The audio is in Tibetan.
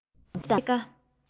ལོ གཅིག དང ཕྱེད ཀ